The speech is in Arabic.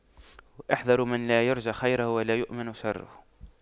احذروا من لا يرجى خيره ولا يؤمن شره